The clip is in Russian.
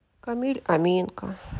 камиль аминка